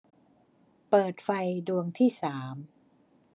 เปิดไฟดวงที่สาม